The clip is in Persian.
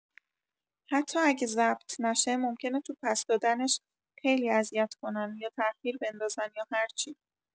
حتی اگه ضبط نشه ممکنه تو پس دادنش خیلی اذیت کنن یا تاخیر بندازن یا هرچی!